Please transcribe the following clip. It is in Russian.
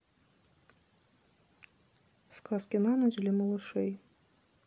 сказки на ночь для малышей